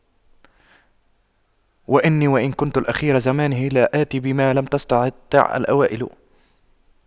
وإني وإن كنت الأخير زمانه لآت بما لم تستطعه الأوائل